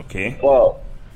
Oɔ